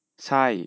ใช่